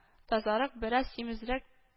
Тазарак, бераз симезрәк